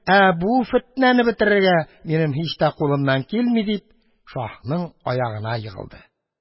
Ә бу фетнәне бетерергә минем һич тә кулымнан килми, – дип, шаһның аягына егылды.